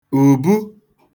ùbu